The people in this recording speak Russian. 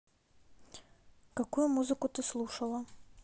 какую музыку ты слушала